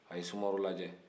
a ye sumaworo lajɛ